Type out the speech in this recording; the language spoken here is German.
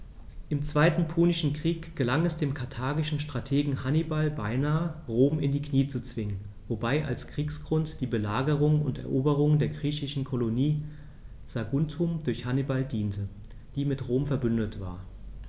Im Zweiten Punischen Krieg gelang es dem karthagischen Strategen Hannibal beinahe, Rom in die Knie zu zwingen, wobei als Kriegsgrund die Belagerung und Eroberung der griechischen Kolonie Saguntum durch Hannibal diente, die mit Rom „verbündet“ war.